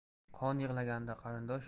qon yig'laganda qarindosh